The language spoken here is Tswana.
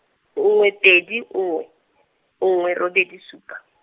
nngwe pedi nngwe, nngwe robedi supa.